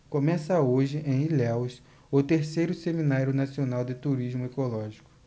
começa hoje em ilhéus o terceiro seminário nacional de turismo ecológico